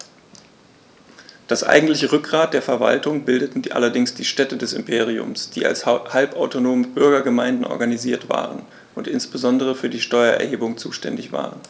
Das eigentliche Rückgrat der Verwaltung bildeten allerdings die Städte des Imperiums, die als halbautonome Bürgergemeinden organisiert waren und insbesondere für die Steuererhebung zuständig waren.